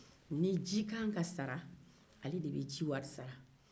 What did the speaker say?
ni ji k'an ka sara ale de bɛ ji wari sara